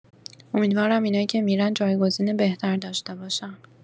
امیدوارم اینایی که می‌رن جایگزین بهتر داشته باشن